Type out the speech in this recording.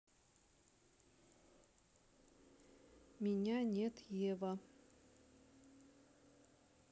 меня нет ева